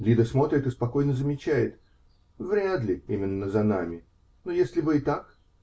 Лида смотрит и спокойно замечает: -- Вряд ли именно за нами, но если бы и так?